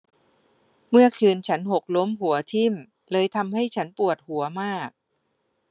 เมื่อคืนฉันหกล้มหัวทิ่มเลยทำให้ฉันปวดหัวมาก